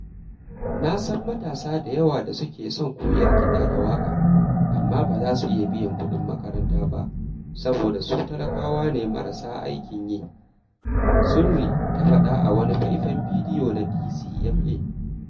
Na san matasa da yawa da suke son koyar kiɗa da waƙa amma ba za su iya biyan kuɗin makaranta ba saboda su talakawa ne marasa aikin yi, Surri ta faɗa a wani faifan bidiyo na DCMA.